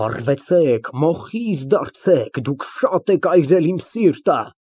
Վառվեցեք, մոխիր դարձեք, դուք շատ եք այրել իմ սիրտը։